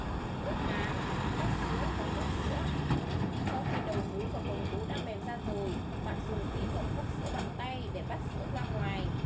bước vắt sữa hoặc hút sữa sau khi đầu vú và quầng vú đã mềm ra rồi bạn dùng kỹ thuật vắt sữa bằng tay để vắt sữa ra ngoài